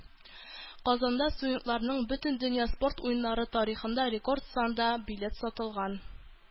Казанда студентларның Бөтендөнья спорт Уеннары тарихында рекорд санда билет сатылган.